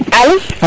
alo